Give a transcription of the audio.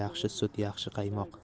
yaxshi sut yaxshi qaymoq